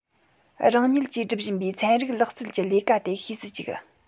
རང ཉིད ཀྱིས སྒྲུབ བཞིན པའི ཚན རིག ལག རྩལ གྱི ལས ཀ དེ ཤེས སུ བཅུག